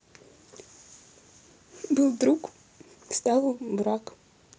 был друг стал враг